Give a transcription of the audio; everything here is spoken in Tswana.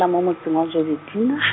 nna mo motseng wa Joubertina .